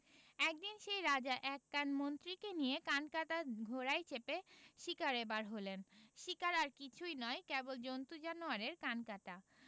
একদিন সেই রাজা এক কান মন্ত্রীকে সঙ্গে নিয়ে কানকাটা ঘোড়ায় চেপে শিকারে বার হলেন শিকার আর কিছুই নয় কেবল জন্তু জানোয়ারের কান কাটা